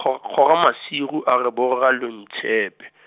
Kgog-, Kgogamasigo a re bo rra lo ntshepe .